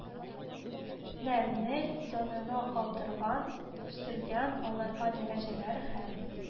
Нәрне янына алдырган, үстергән, аларга дәрәҗәләр һәм